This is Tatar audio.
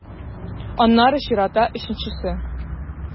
Аннары чиратта - өченчесе.